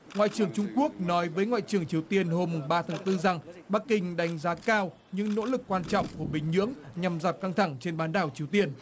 ngoại trưởng trung quốc nói với ngoại trưởng triều tiên hôm mùng ba tháng tư rằng bắc kinh đánh giá cao những nỗ lực quan trọng của bình nhưỡng nhằm giảm căng thẳng trên bán đảo triều tiên